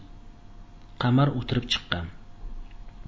qamar o'tirib chiqqan